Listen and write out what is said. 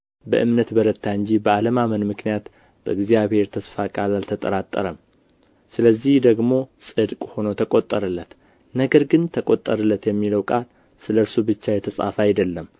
በእምነት በረታ እንጂ በአለማመን ምክንያት በእግዚአብሔር ተስፋ ቃል አልተጠራጠረም ስለዚህ ደግሞ ጽድቅ ሆኖ ተቆጠረለት ነገር ግን ተቈጠረለት የሚለው ቃል ስለ እርሱ ብቻ የተጻፈ አይደለም